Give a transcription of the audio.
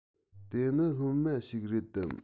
དེ ནི སློབ མ ཞིག རེད དམ